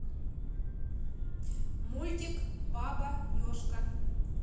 мультик баба ежка